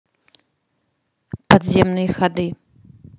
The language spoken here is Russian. подземные ходы